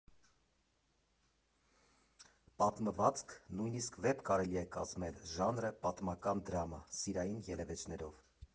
Պատմվածք, նույնիսկ վեպ կարելի է կազմել, ժանրը՝ պատմական դրամա՝ սիրային ելևէջներով։